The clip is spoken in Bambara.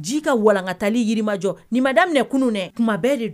Ji ka walankatali Yirimajɔ nin ma daminɛ kunun nɛ kuma bɛɛ de d